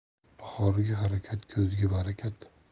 bahorgi harakat kuzgi barakat